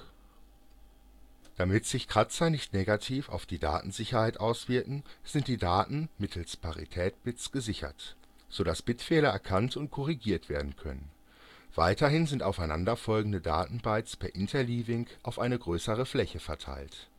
Damit sich Kratzer nicht negativ auf die Datensicherheit auswirken, sind die Daten mittels Paritätsbits gesichert, so dass Bitfehler erkannt und korrigiert werden können. Weiterhin sind aufeinanderfolgende Datenbytes per Interleaving auf eine größere Fläche verteilt